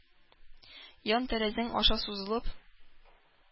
Ян тәрәзәң аша сузылып,